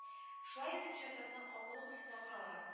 Шулай итеп, чатырны калкулык өстенә коралар